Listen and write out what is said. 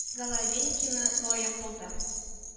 Головенькина лаек булды